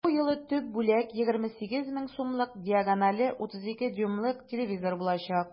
Бу юлы төп бүләк 28 мең сумлык диагонале 32 дюймлык телевизор булачак.